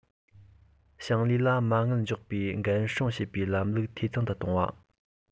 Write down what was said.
ཞིང ལས ལ མ དངུལ འཇོག པར འགན སྲུང བྱེད པའི ལམ ལུགས འཐུས ཚང དུ གཏོང བ